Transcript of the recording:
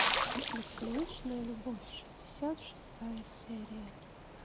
бесконечная любовь шестьдесят шестая серия